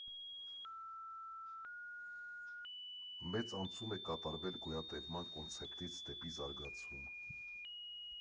Մեծ անցում է կատարվել գոյատևման կոնցեպտից դեպի զարգացում։